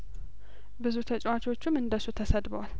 ብዙ ተጫዋቾችም እንደእሱ ተሰድበዋል